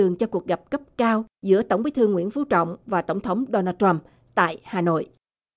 đường cho cuộc gặp cấp cao giữa tổng bí thư nguyễn phú trọng và tổng thống đo na trăm tại hà nội